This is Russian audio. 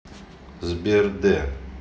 сбер д